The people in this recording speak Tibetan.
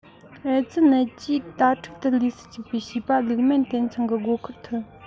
ཨེ ཙི ནད ཀྱིས དྭ ཕྲུག ཏུ ལུས སུ བཅུག པའི བྱིས པ ལིག མན ཏན ཚང གི སྒོ ཁར ཐོན